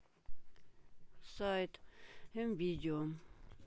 сайт мвидео